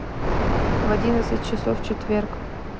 в одиннадцать часов четверг